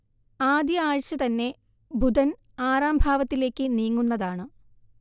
ആദ്യ ആഴ്ച തന്നെ ബുധൻ ആറാം ഭാവത്തിലെക്ക് നീങ്ങുന്നതാണ്